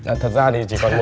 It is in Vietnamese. à thật ra thì chỉ còn